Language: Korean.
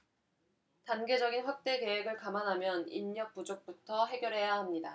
단계적인 확대 계획을 감안하면 인력 부족부터 해결해야 합니다